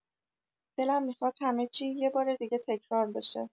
دلم میخواد همه چی یه بار دیگه تکرار بشه.